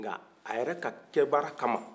nka a yɛrɛ ka kɛ baara kama